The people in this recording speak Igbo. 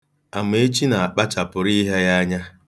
Amechi na-akpachapụrụ ihe ya anya.